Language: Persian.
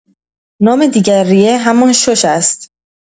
نام دیگر ریه همان شش است